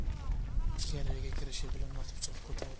ichkariga kirishi bilanoq pichoq ko'tarib